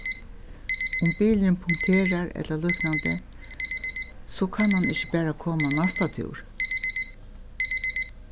um bilurin punkterar ella líknandi so kann hann ikki bara koma næsta túr